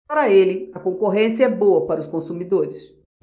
para ele a concorrência é boa para os consumidores